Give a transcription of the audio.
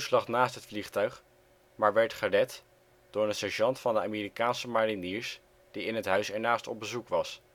lag naast het vliegtuig, maar werd gered door een sergeant van de Amerikaanse mariniers die in het huis ernaast op bezoek was